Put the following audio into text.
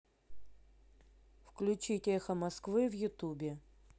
включить эхо москвы в ютубе